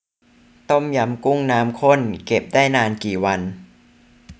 ต้มยำกุ้งน้ำข้นเก็บได้นานกี่วัน